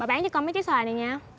bà bán cho con mấy trái xoài này nha